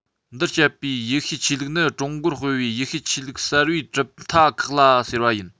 འདིར བཤད པའི ཡེ ཤུའི ཆོས ལུགས ནི ཀྲུང གོར སྤེལ བའི ཡེ ཤུའི ཆོས ལུགས གསར པའི གྲུབ མཐའ ཁག ལ ཟེར བ ཡིན